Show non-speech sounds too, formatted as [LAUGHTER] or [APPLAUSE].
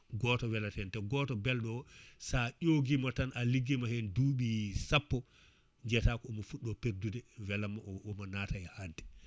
goto welata hen te goto belɗo o [BREATH] sa ƴoguimo tan a ligguima hen duuɓi sappo [BREATH] jiiyata que omo fuɗɗo perdude welamma o omo nata e hadde